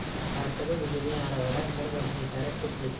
tartibi buzilgan aravalar bir birini itarib ko'prikning